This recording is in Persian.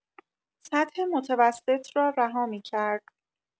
سطح متوسط را رها می‌کرد